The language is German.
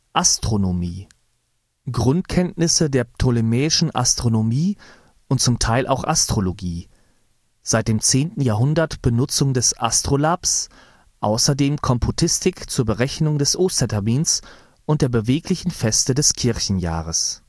Astronomie: Grundkenntnisse der Ptolemäischen Astronomie und z. T. auch Astrologie, seit dem 10. Jahrhundert Benutzung des Astrolabs, außerdem Komputistik zur Berechnung des Ostertermins und der beweglichen Feste des Kirchenjahres